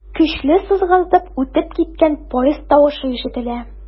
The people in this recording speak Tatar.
Көчле сызгыртып үтеп киткән поезд тавышы ишетелә.